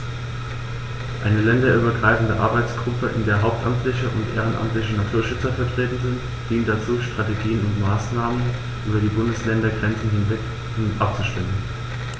Eine länderübergreifende Arbeitsgruppe, in der hauptamtliche und ehrenamtliche Naturschützer vertreten sind, dient dazu, Strategien und Maßnahmen über die Bundesländergrenzen hinweg abzustimmen.